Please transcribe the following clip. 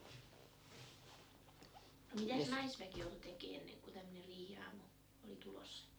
no mitäs naisväki joutui tekemään ennen kuin tämmöinen riihiaamu oli tulossa